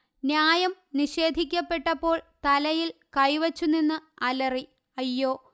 ന്യായം നിഷേധിക്കപ്പെട്ടപ്പോള് തലയില് കൈവച്ചു നിന്ന് അലറി അയ്യൊ